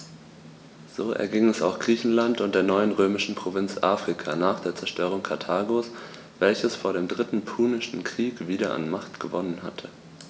So erging es auch Griechenland und der neuen römischen Provinz Afrika nach der Zerstörung Karthagos, welches vor dem Dritten Punischen Krieg wieder an Macht gewonnen hatte.